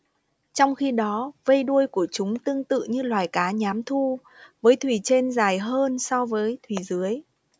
trong khi đó vây đuôi của chúng tương tự như loài cá nhám thu với thùy trên dài hơn so với thùy dưới